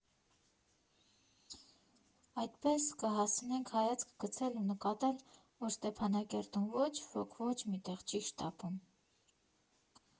Այդպես կհասցնեք հայացք գցել ու նկատել, որ Ստեփանակերտում ոչ ոք ոչ մի տեղ չի շտապում։